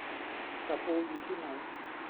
ตะปูอยู่ที่ไหน